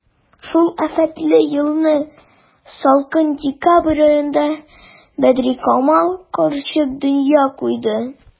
Шул афәтле елның салкын декабрь аенда Бәдрикамал карчык дөнья куйды.